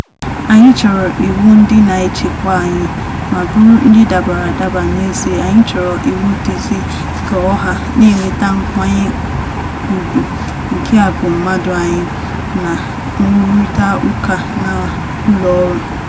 Anyị chọrọ iwu ndị na-echekwa anyị ma bụrụ ndị dabara adaba n'ezie, anyị chọrọ iwunduzi keọha na-eweta nkwanye ugwu nke abụmụmmadụ anyị na nrụrịtaụka na ụlọ ọrụ.